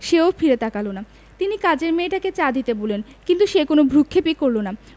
সে ও ফিরে তাকাল না তিনি কাজের মেয়েটাকে চা দিতে বললেন কিন্তু সে কোনো ভ্রুক্ষেপই করল না